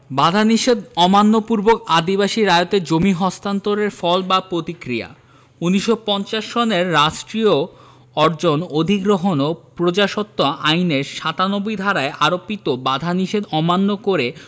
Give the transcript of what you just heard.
বাধানিষেধ অমান্য পূর্বক আদিবাসী রায়তদের জমি হস্তান্তরের ফল বা প্রতিক্রিয়া ১৯৫০ সনের রাষ্ট্রীয় অর্জন অধিগ্রহণ ও প্রজাস্বত্ব আইনের ৯৭ ধারায় আরোপিত বাধানিষেধ অমান্য করে